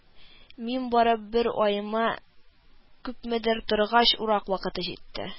Мин барып бер аймы, күпмедер торгач, урак вакыты җитте